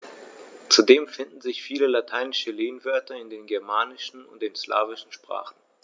Zudem finden sich viele lateinische Lehnwörter in den germanischen und den slawischen Sprachen.